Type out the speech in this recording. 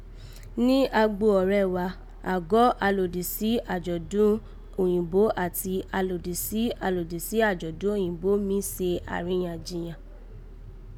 Ní agbo ọ̀rẹ́ wa, àgọ́ alòdìsí àjọ̀dún Òyìnbó àti alòdìsí alòdìsí àjọ̀dún Òyìnbó mí se àríyànjiyàn